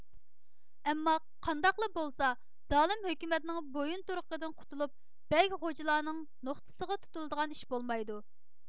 ئەمما قانداقلا بولسا زالىم ھۆكۈمەتنىڭ بويۇنتۇرۇقىدىن قۇتۇلۇپ بەگ غوجىلارنىڭ نوختىسىغا تۇتۇلىدىغان ئىش بولمايدۇ